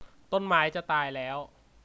ต้นไม้จะตายแล้ว